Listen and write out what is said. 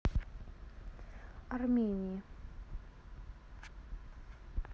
армении